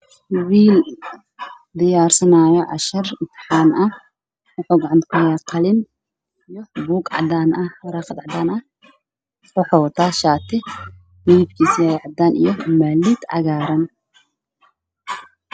Halkaan waxaa ka muuqdo wiil arday ah oo imtixaan ku jiro waxa uuna wataa shaati cadaan ah qalin buluug gacanta ayuu ku haystaa waraaqadna miiska ayey saaran tahay